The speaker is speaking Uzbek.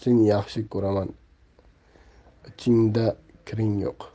seni yaxshi ko'raman ichingda kiring yo'q